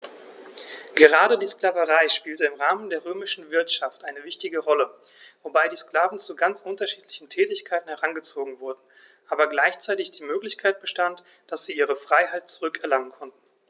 Gerade die Sklaverei spielte im Rahmen der römischen Wirtschaft eine wichtige Rolle, wobei die Sklaven zu ganz unterschiedlichen Tätigkeiten herangezogen wurden, aber gleichzeitig die Möglichkeit bestand, dass sie ihre Freiheit zurück erlangen konnten.